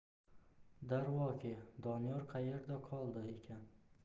darvoqe doniyor qayerda qoldi ekan